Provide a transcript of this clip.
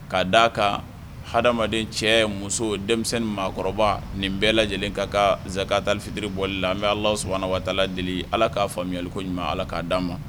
K'a d'a kan hadamaden cɛ muso denmisɛn ni maakɔrɔba nin bɛɛ lajɛlen ka kaan zakatalfitiri bɔli la an be Alahusubahanahuwataala deli Ala k'a faamuyaliko ɲuman Ala k'a d'an ma